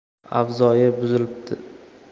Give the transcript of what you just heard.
avzoyi buzilibdi